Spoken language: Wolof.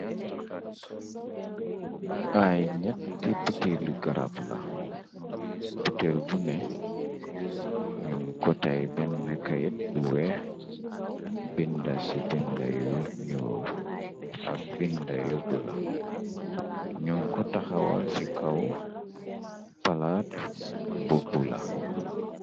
Ay ñetti buteelu garab la, butel bu ne ñu ko tey benn kayet bu weex, binda ci binda yu ñuo, ak binda yu bu la, ñun ko taxawal ci kaw palaat bobbu la.